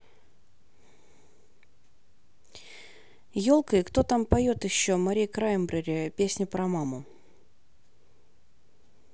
елка и кто там поет еще мари краймбрери песня про маму